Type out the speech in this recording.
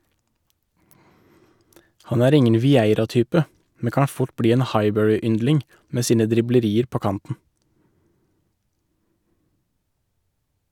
Han er ingen Vieira-type, men kan fort bli en Highbury-yndling med sine driblerier på kanten.